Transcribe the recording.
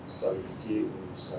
San tɛ yen san